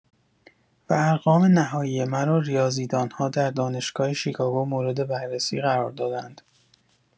و ارقام نهایی مرا ریاضیدان‌ها در دانشگاه شیکاگو مورد بررسی قرار دادند.